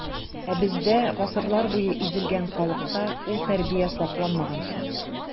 Ә бездә, гасырлар буе изелгән халыкта, ул тәрбия сакланмаган шул.